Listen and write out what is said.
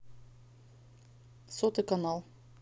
сотый канал